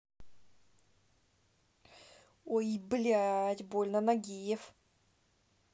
ой блядь больно нагиев